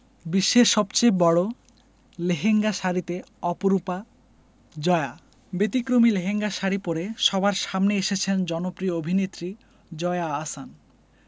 বিশ্বের সবচেয়ে বড় লেহেঙ্গা শাড়িতে অপরূপা জয়া ব্যতিক্রমী লেহেঙ্গা শাড়ি পরে সবার সামনে এসেছেন জনপ্রিয় অভিনেত্রী জয়া আহসান